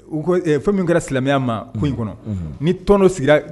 Kɛra silamɛ ma in kɔnɔ ni tɔn sigira